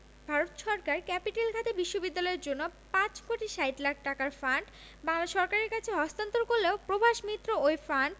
ভারত সরকার ক্যাপিটেল খাতে বিশ্ববিদ্যালয়ের জন্য ৫ কোটি ৬০ লাখ টাকার ফান্ড বাংলা সরকারের কাছে হস্তান্তর করলেও প্রভাস মিত্র ওই ফান্ড